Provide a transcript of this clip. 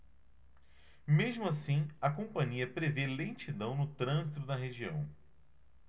mesmo assim a companhia prevê lentidão no trânsito na região